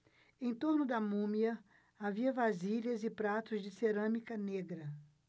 em torno da múmia havia vasilhas e pratos de cerâmica negra